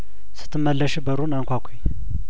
ስትመለሺ በሩን አንኳኲ